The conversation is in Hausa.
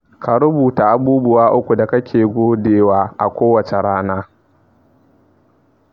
ka rubuta abubuwa uku da kake gode wa a kowace rana.